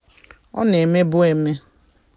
Ọ na-emebu eme.